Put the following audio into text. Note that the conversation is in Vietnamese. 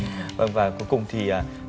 và cuối cùng thì